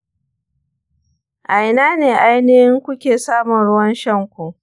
a ina ne ainihi kuke samun ruwan shanku?